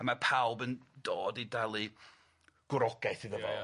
A ma' pawb yn dod i dalu gwrogaeth iddo fo. Ia ia.